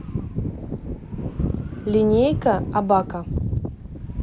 линейка абака